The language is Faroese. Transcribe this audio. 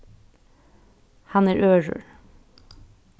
hann er ørur